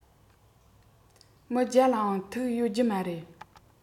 མི བརྒྱ ལ ཡང ཐུག ཡོད རྒྱུ མ རེད